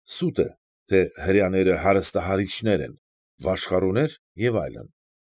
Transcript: Սուտ է, թե հրեաները հարստահարիչներ են, վաշխառուներ և այլն։